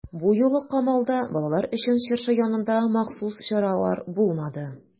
Бу юлы Камалда балалар өчен чыршы янында махсус чаралар булмады.